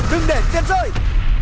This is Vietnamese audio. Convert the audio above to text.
tiền rơi